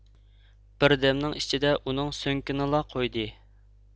بىردەمنىڭ ئىچىدە ئۇنىڭ سۆڭىكىنىلا قويدى